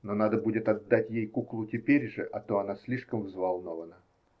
Но надо будет отдать ей куклу теперь же, а то она слишком взволнована.